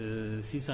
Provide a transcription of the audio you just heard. waa 77